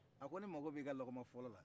a ko ne mako b'i ka lɔgɔma fɔlɔ la